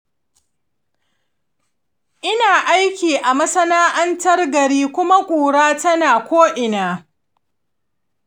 ina aiki a masana’antar gari kuma ƙura tana ko’ina.